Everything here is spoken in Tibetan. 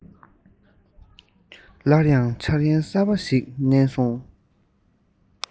སླར ཡང འཆར ཡན གསར པ ཞིག བསྣན སོང